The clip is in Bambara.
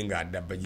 K'a da baji